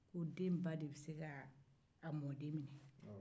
ko den ba de bɛ se ka a mɔden minɛ